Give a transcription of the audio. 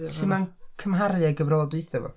Sut mae'n cymharu â'i gyfrolau dwytha fo?